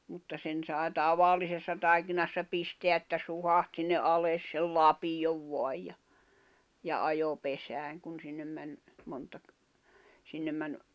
mutta sen sai tavallisessa taikinassa pistää että suhahti sinne alas sai lapion vain ja ja ajoi pesään kun sinne meni monta - sinne meni